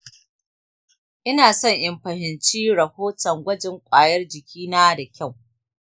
ina son in fahimci rahoton gwajin ƙwayar jikina da kyau.